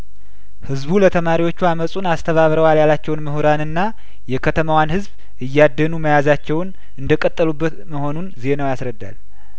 ህዝቡ ለተማሪዎቹ አመጹን አስተባብረዋል ያሏቸውን ምሁራንና የከተማዋን ህዝብ እያደኑ መያዛቸውን እንደቀጠሉበት መሆኑን ዜናው ያስረዳል